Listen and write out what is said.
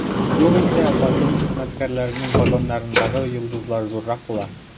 Югыйсә, патруль хезмәткәрләренең погоннарындагы йолдызлар зуррак була.